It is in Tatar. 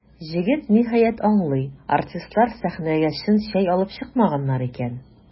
Җегет, ниһаять, аңлый: артистлар сәхнәгә чын чәй алып чыкмаганнар икән.